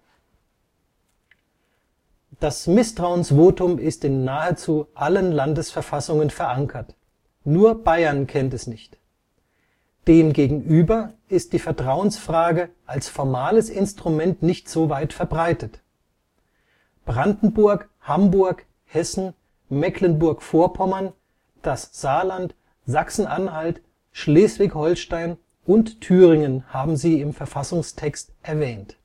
Das Misstrauensvotum ist in nahezu allen Landesverfassungen verankert, nur Bayern kennt es nicht. Dem gegenüber ist die Vertrauensfrage als formales Instrument nicht so weit verbreitet: Brandenburg, Hamburg, Hessen, Mecklenburg-Vorpommern, das Saarland, Sachsen-Anhalt, Schleswig-Holstein und Thüringen haben sie im Verfassungstext erwähnt